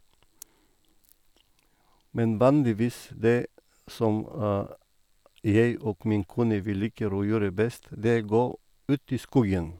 Men vanligvis det som jeg og min kone vi liker å gjøre best, det gå ut i skogen.